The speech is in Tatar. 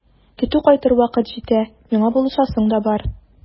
Көтү кайтыр вакыт җитә, миңа булышасың да бар.